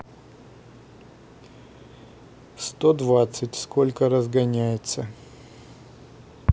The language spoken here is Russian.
сто двадцать сколько разгоняется